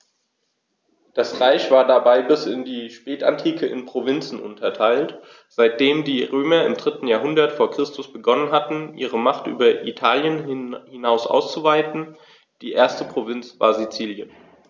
Das Reich war dabei bis in die Spätantike in Provinzen unterteilt, seitdem die Römer im 3. Jahrhundert vor Christus begonnen hatten, ihre Macht über Italien hinaus auszuweiten (die erste Provinz war Sizilien).